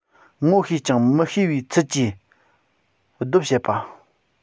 ངོ ཤེས ཀྱང མི ཤེས པའི ཚུལ གྱི ལྡོབས བྱེད པ